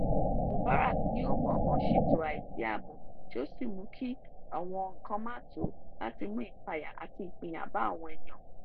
mubarak ni ó mọ̀ọ́mọ̀ ṣètò àìsí ààbò tí ó sì mú kí àwọn nǹkan má tòó láti mú ìpayà àti ìpínyà bá àwọn èèyàn #Jan25